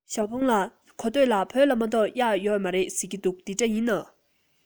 ཞའོ ཧྥུང ལགས གོ ཐོས ལ བོད ལྗོངས མ གཏོགས གཡག ཡོད མ རེད ཟེར གྱིས དེ འདྲ ཡིན ན